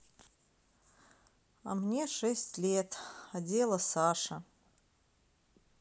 а мне шесть лет а дела саша